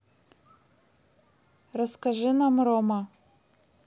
расскажи нам рома